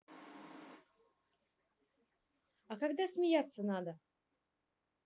а когда смеяться надо